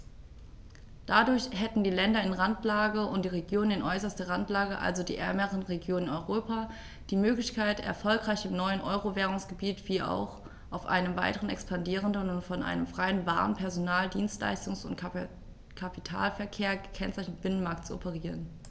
Dadurch hätten die Länder in Randlage und die Regionen in äußerster Randlage, also die ärmeren Regionen in Europa, die Möglichkeit, erfolgreich im neuen Euro-Währungsgebiet wie auch auf einem weiter expandierenden und von einem freien Waren-, Personen-, Dienstleistungs- und Kapitalverkehr gekennzeichneten Binnenmarkt zu operieren.